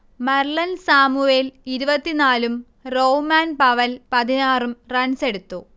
Marlon Samuel ഇരുവത്തിനാലും Rovman Powell പതിനാറും റൺസെടുത്തു